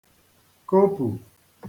kopù